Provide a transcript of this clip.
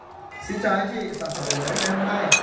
xin chào anh chị đây là sản phẩm mới ngày hôm nay